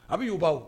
A bi yoba wo.